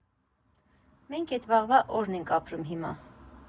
Մենք էդ վաղվա օրն ենք ապրում հիմա։